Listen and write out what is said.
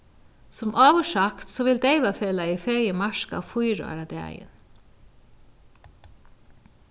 sum áður sagt so vil deyvafelagið fegið marka fýra ára dagin